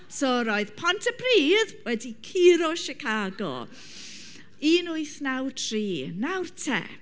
So roedd Pontypridd wedi curo Chicago un wyth naw tri nawr te.